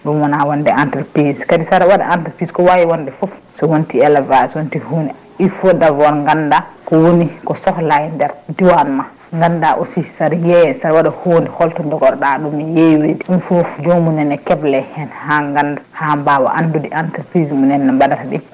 ɗum wonde entreprise kadi saɗa waɗa entreprise ko wawi wonde foof so wonti élevage so wonti hunde il faut d' abord ganda ko woni sohla e nder diwan ma ganda aussi saɗa yeeya saɗa waɗa hunde holto jogorɗa ɗum yeeyoyde ɗum foof joomum en ne keble hen ha ganda ha mbawa andude entreprise no mbaɗata ni